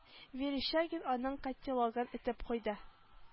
Верещагин аның котелогын этеп куйды